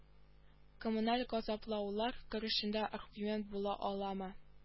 Коммуналь газаплаулар көрәшендә аргумент була аламы